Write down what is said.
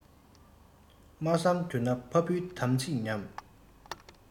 མ བསམས གྱུར ན ཕ བུའི དམ ཚིགས ཉམས